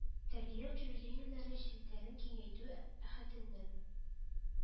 Тәрбия учреждениеләре челтәрен киңәйтү әһәтеннән